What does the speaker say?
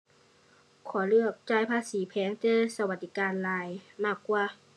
ขอเลือกจ่ายภาษีแพงแต่สวัสดิการหลายมากกว่า